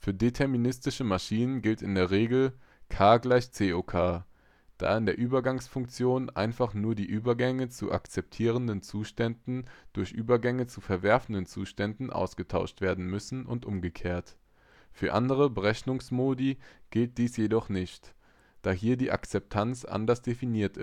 Für deterministische Maschinen gilt in der Regel K = CoK, da in der Übergangsfunktion einfach nur die Übergänge zu akzeptierenden Zuständen durch Übergänge zu verwerfenden Zuständen ausgetauscht werden müssen und umgekehrt. Für andere Berechnungsmodi gilt dies jedoch nicht, da hier die Akzeptanz anders definiert